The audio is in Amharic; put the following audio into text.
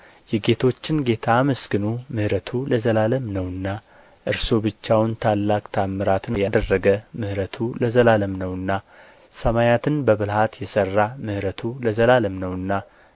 የጌቶችን ጌታ አመስግኑ ምሕረቱ ለዘላለም ነውና እርሱ ብቻውን ታላቅ ተኣምራትን ያደረገ ምሕረቱ ለዘላለም ነውና ሰማያትን በብልሃት የሠራ ምሕረቱ ለዘላለም ነውና